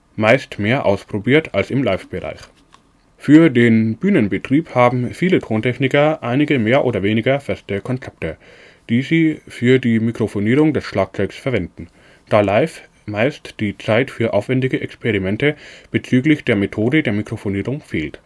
meist mehr ausprobiert wird als im Livebereich. Für den Bühnenbetrieb haben viele Tontechniker einige mehr oder weniger feste Konzepte, die sie für die Mikrofonierung des Schlagzeugs verwenden, da live meist die Zeit für aufwendige Experimente bezüglich der Methode der Mikrofonierung fehlt